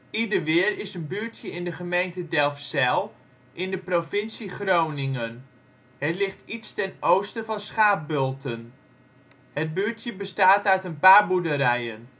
Ideweer is een buurtje in de gemeente Delfzijl in de provincie Groningen. Het ligt iets ten oosten van Schaapbulten. Het buurtje bestaat uit een paar boerderijen